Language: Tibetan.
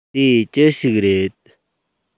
དེ ཅི ཞིག རེད